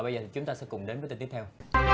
bây giờ thì chúng ta sẽ cùng đến với tin tiếp theo